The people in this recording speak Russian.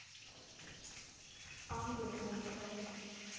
ангел в майнкрафте